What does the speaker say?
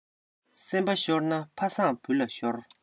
སེམས པ ཤོར ན ཕ བཟང བུ ལ ཤོར